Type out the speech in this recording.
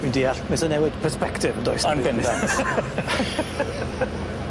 Dwi'n deall ma' isie newid persbectif yndoes? Yn bendant.